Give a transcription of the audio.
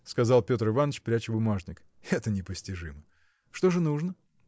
– сказал Петр Иваныч, пряча бумажник, – это непостижимо! Что же нужно?